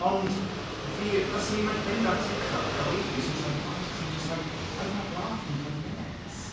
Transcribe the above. Ond fi... baswn i'n like mynd ar TikTok a weithiau fi'n jyst troi fe bant cause I'm just like I've not laughed in five minutes.